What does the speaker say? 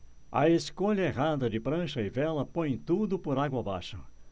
a escolha errada de prancha e vela põe tudo por água abaixo